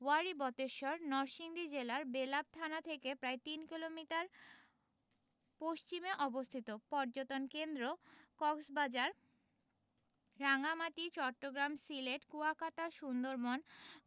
ওয়ারী বটেশ্বর নরসিংদী জেলার বেলাব থানা থেকে প্রায় তিন কিলোমিটার পশ্চিমে অবস্থিত পর্যটন কেন্দ্রঃ কক্সবাজার রাঙ্গামাটি চট্টগ্রাম সিলেট কুয়াকাটা সুন্দরবন